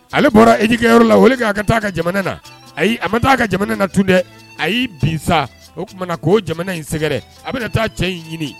Ale bɔra ijkɛyɔrɔ la wele k'a ka taa ka jamana na ayi a ma taa ka jamana na tun dɛ a y'i bin sa o tumaumana na ko jamana in sɛgɛrɛ a bɛna taa cɛ in ɲini